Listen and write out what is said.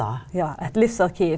ja et livsarkiv.